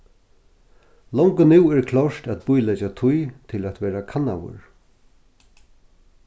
longu nú er klárt at bíleggja tíð til at verða kannaður